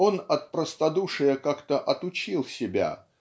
Он от простодушия как-то отучил себя